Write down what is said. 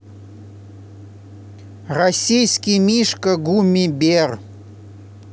российский мишка гумми бер